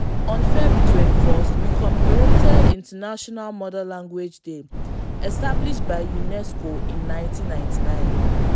On February 21 we commemorated International Mother Language Day, established by UNESCO in 1999.